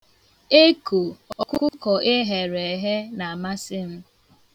Eko ọkụkọ e ghere eghe na-amasị m.